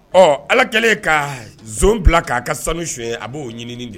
Ɔ ala kɛlen ka bila k'a ka sanu su ye a b'o ɲinin de